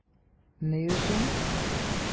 Ни өчен?